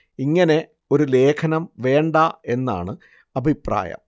ഇങ്ങനെ ഒരു ലേഖനം വേണ്ട എന്നാണ് അഭിപ്രായം